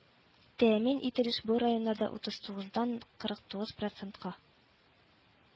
Тәэмин ителеш бу районнарда утыз тугыздан кырык тугыз процентка